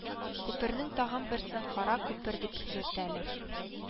Күпернең тагын берсен Кара күпер дип йөртәләр